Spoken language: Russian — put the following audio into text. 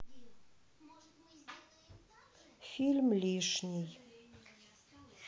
фильм лишний